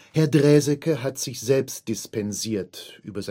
Herr Draeseke hat sich selbst dispensiert; über